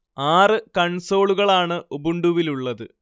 ആറ് കൺസോളുകളാണ് ഉബുണ്ടുവിലുള്ളത്